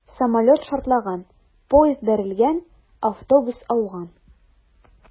Самолет шартлаган, поезд бәрелгән, автобус ауган...